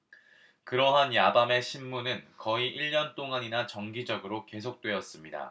그러한 야밤의 심문은 거의 일년 동안이나 정기적으로 계속되었습니다